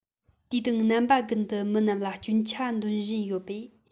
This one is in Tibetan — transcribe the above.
དུས དང རྣམ པ ཀུན ཏུ མི རྣམས ལ སྐྱོན ཆ འདོན བཞིན ཡོད པས